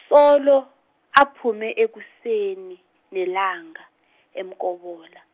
solo, aphume ekuseni, nelanga, eMkobola.